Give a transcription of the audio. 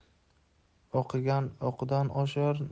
o'qigan o'qdan oshar